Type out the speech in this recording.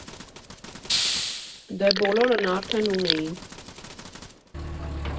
Դե բոլորն արդեն ունեին։